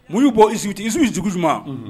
Mu y'u bɔ Egypte ? Egypte dugu jumɛn? Unhun.